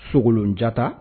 Sogolonjatata